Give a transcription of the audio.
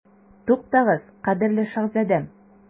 Туктагыз, кадерле шаһзадәм.